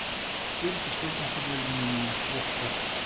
семь часов на соблазнение окко